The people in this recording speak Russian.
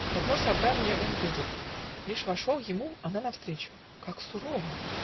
В одно собранье Он едет; лишь вошел. ему Она навстречу. Как сурова!